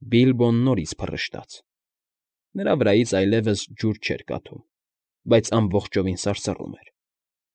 Բիլբոն նորից փռշտաց։ Նրա վրայից այլևս ջուր չէր կաթում, բայց ամբողջովին սարսռում էր։